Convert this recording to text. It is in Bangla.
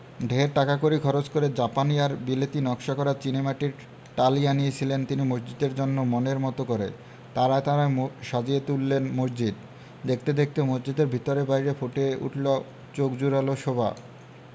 ঢের টাকাকড়ি খরচ করে জাপানি আর বিলেতী নকশা করা চীনেমাটির টালি আনিয়েছিলেন তিনি মসজিদের জন্যে মনের মতো করে তারায় তারায় সাজিয়ে তুললেন মসজিদ দেখতে দেখতে মসজিদের ভেতরে বাইরে ফুটে উঠলো চোখ জুড়ালো শোভা